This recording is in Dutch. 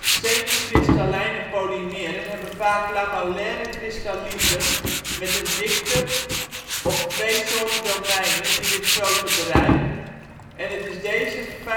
Semikristallijne polymeren hebben vaak lamellaire kristallieten met een dikte of twee soorten domeinen in dit groottebereik en het is deze fijnstructuur